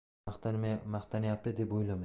maqtanyapti deb o'ylamang